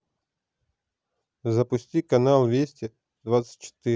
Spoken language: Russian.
запусти канал вести двадцать четыре